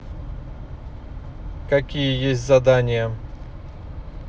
какие есть задания